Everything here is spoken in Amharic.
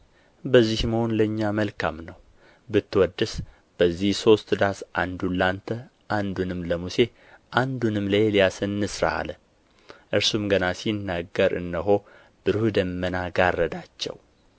በዚህ መሆን ለእኛ መልካም ነው ብትወድስ በዚህ ሦስት ዳስ አንዱን ለአንተ አንዱንም ለሙሴ አንዱንም ለኤልያስ እንሥራ አለ እርሱም ገና ሲናገር እነሆ ብሩህ ደመና ጋረዳቸው